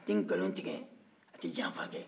a tɛ nkalon tigɛ a tɛ janfa kɛ